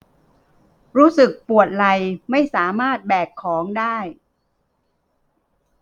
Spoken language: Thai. รู้สึกปวดไหล่ไม่สามารถแบกของได้